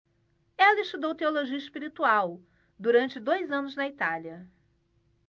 ela estudou teologia espiritual durante dois anos na itália